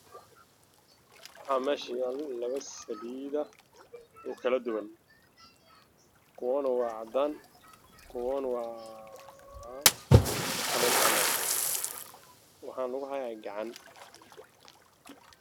Beeshan waxa yaalo saliidayaal fara badan iyo shanbooyin farabadan waxaana ku jiro gacanBeeshan waxa yaalo saliidayaal fara badan iyo shanbooyin farabadan waxaana ku jiro gacan